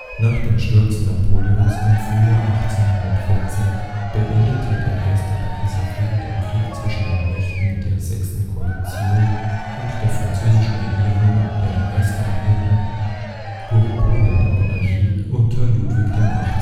Nach dem Sturz Napoleons im Frühjahr 1814 beendete der Erste Pariser Frieden den Krieg zwischen den Mächten der Sechsten Koalition und der französischen Regierung der restaurierten Bourbonenmonarchie unter Ludwig XVIII. Nach